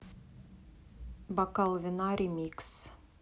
бокал вина ремикс